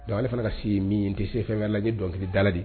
Donc ale fana ka se ye min n tɛ se fɛn wɛrɛ la, nj ye dɔnkilidala de ye